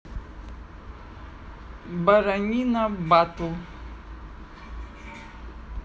боронина батл